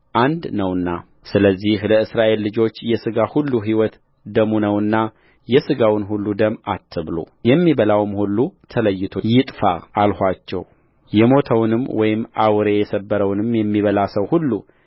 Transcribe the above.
አንድ ነውና ስለዚህ ለእስራኤል ልጆች የሥጋ ሁሉ ሕይወት ደሙ ነውና የሥጋውን ሁሉ ደም አትብሉ የሚበላውም ሁሉ ተለይቶ ይጥፋ አልኋቸውየሞተውን ወይም አውሬ የሰበረውን የሚበላ ሰው ሁሉ